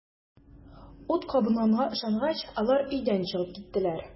Ут кабынганга ышангач, алар өйдән чыгып киттеләр.